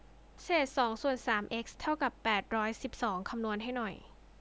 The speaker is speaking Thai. เศษสองส่วนสามเอ็กซ์เท่ากับแปดร้อยสิบสองคำนวณให้หน่อย